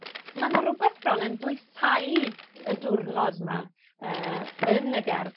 ma' 'na rwbeth bron yn dwysau y diwrnod yma yy yn y gerdd